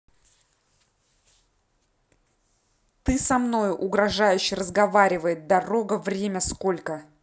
ты со мной уважающе разговаривает дорога время сколько